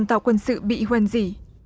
tàu quân sự bị hoen gỉ